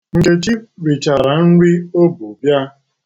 Nkechi richara nri o bu bịa.